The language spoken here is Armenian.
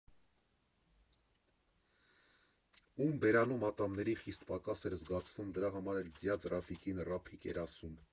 Ում բերանում ատամների խիստ պակաս էր զգացվում, դրա համար էլ ձյաձ Ռաֆիկին «Ռափիկ» էր ասում։